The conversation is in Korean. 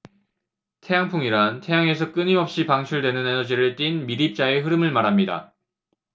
태양풍이란 태양에서 끊임없이 방출되는 에너지를 띤 미립자의 흐름을 말합니다